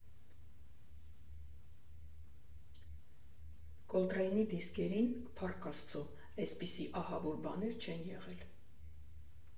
Կոլտրեյնի դիսկերին, փառք Աստծո, էսպիսի ահավոր բաներ չեն եղել։